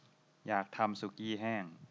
อยากทำสุกี้แห้ง